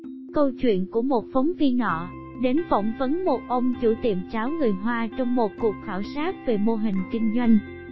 câu chuyện của một phóng viên nọ đến phỏng vấn một ông chủ tiệm cháo người hoa trong một cuộc khảo sát về mô hình kinh doanh